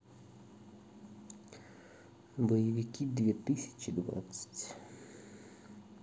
боевики две тысячи двадцать